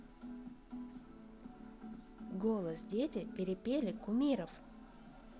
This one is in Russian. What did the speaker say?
голос дети перепели кумиров